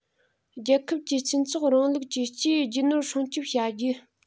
རྒྱལ ཁབ ཀྱིས སྤྱི ཚོགས རིང ལུགས ཀྱི སྤྱིའི རྒྱུ ནོར སྲུང སྐྱོང བྱ རྒྱུ